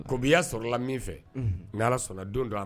Kobiya sɔrɔlala min fɛ n ala sɔnna don don